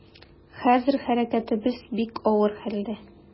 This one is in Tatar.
Хәзер хәрәкәтебез бик авыр хәлдә.